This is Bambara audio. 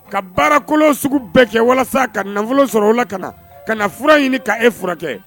Ka baara kolon sugu bɛɛ kɛ walasa ka nafolo sɔrɔ o la ka na . Ka na fura ɲini ka e furakɛ